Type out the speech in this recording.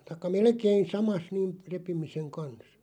tai melkein samassa niin repimisen kanssa